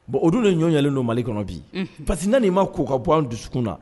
Bon o dun de ɲɔ ɲɛnen don Mali kɔnɔ bi, unhun, parce que ne nin ma ko bɔ an dusukun na